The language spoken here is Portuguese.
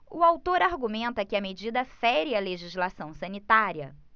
o autor argumenta que a medida fere a legislação sanitária